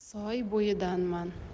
soy bo'yidanman